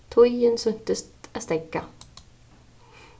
tíðin sýntist at steðga